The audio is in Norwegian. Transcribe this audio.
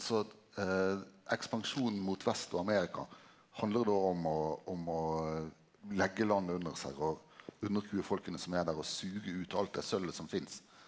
så ekspansjonen mot vest og Amerika handlar då om å om å legge landet under seg og underkue folka som er der og suge ut alt det sølvet som finst.